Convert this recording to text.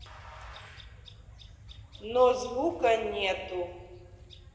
но звука нету